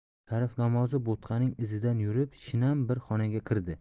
sharif namozov bo'tqaning izidan yurib shinam bir xonaga kirdi